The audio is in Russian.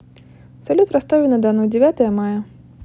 салют в ростове на дону девятое мая